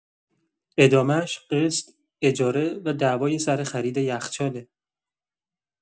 ادامه‌ش قسط، اجاره و دعوای سر خرید یخچاله.